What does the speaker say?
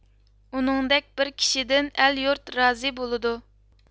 ئۇنىڭدەك بىر كىشىدىن ئەل يۇرت رازى بولىدۇ